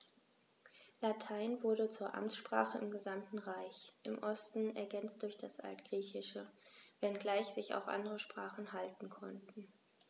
Latein wurde zur Amtssprache im gesamten Reich (im Osten ergänzt durch das Altgriechische), wenngleich sich auch andere Sprachen halten konnten.